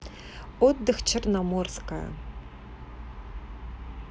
отдых черноморская